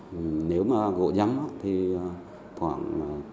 nếu mà gỗ nhắm mắt thì à khoảng